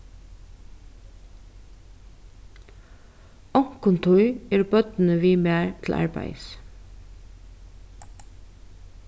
onkuntíð eru børnini við mær til arbeiðis